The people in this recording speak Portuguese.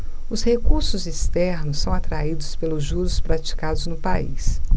os recursos externos são atraídos pelos juros praticados no país